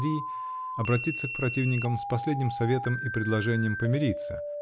три!", обратиться к противникам с последним советом и предложением: помириться